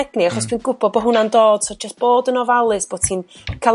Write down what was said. egni achos dwi'n gw'bo bo' hwnna'n dod so jyst bod yn ofalus bo' ti'n ca'l